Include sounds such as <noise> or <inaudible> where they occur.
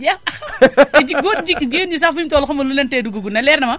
jeex na ah xa <laughs> góor ñi jigéen ñi sax xamuma lu leen tee dugg leer nama